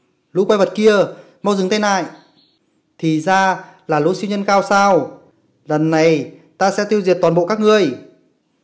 quái vật mau dừng tay lại thí ra là lũ siêu nhân gao sao lần nay ta sẽ tiêu diệt toàn bộ các ngươi